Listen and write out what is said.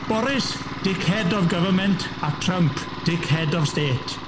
Boris, dickhead of government a Trump, dickhead of state.